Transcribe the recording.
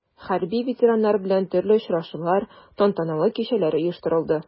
Хәрби ветераннар белән төрле очрашулар, тантаналы кичәләр оештырылды.